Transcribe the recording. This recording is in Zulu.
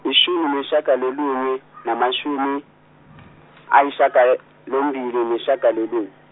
yishumi neshagalolunye , namashumi ayishagalombili neshagalolunye.